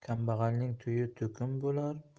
kambag'alning to'yi to'kin bo'lar